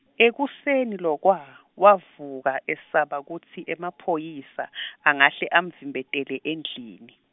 ekuseni lokwa, wavuka esaba kutsi emaphoyisa , angahle amvimbetele endlini.